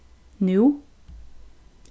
nú